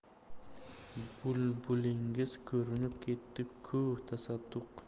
bulbulingiz ko'rinib ketdi ku tasadduq